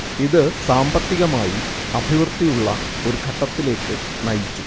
ഇത് സാമ്പത്തികമായി അഭിവൃദ്ധിയുള്ള ഒരുഘട്ടത്തിലേയ്ക്ക് നയിച്ചു